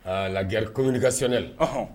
Aa lag ko ka sɛnɛɛ la